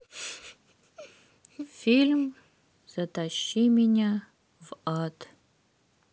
фильм затащи меня в ад